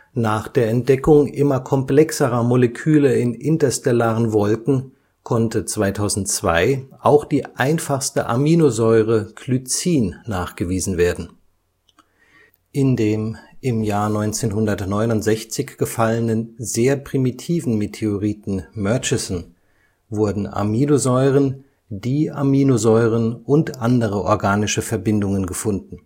Nach der Entdeckung immer komplexerer Moleküle in interstellaren Wolken konnte 2002 auch die einfachste Aminosäure Glycin nachgewiesen werden. Im 1969 gefallenen, sehr primitiven Meteoriten Murchison wurden Aminosäuren, Diaminosäuren und andere organische Verbindungen gefunden